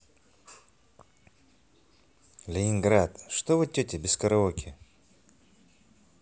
ленинград что вы тетя без караоке